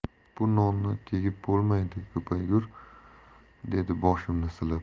bu nonga tegib bo'lmaydi ko'paygur dedi boshimni silab